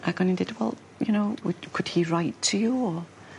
Ag o'n i'n deud wel you know would could he write to you or